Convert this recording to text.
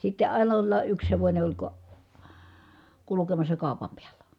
sitten aina olla yksi hevonen oli - kulkemassa kaupan päällä